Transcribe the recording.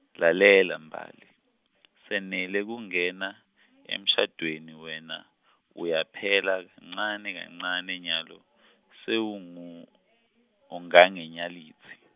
lalela Mbali , senele kungena , emshadweni wena, uyaphela kancane kancane nyalo, sewungu- -ungangenyalitsi.